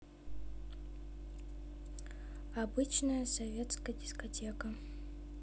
обычная советская дискотека